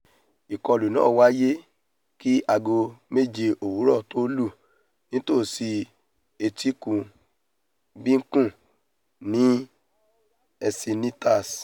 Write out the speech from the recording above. Ìkọlù náà wáyé kí aago méje òwúrọ̀ tó lù nítòsí Etíkun Beacon ní Encinitas.